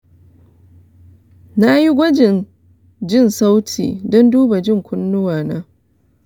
na yi gwajin jin sauti don duba jin kunnuwana.